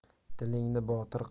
tilingni botir qilma